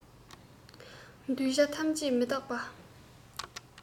འདུས བྱས ཐམས ཅད མི རྟག པ